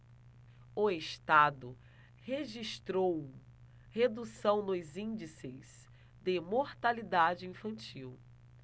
o estado registrou redução nos índices de mortalidade infantil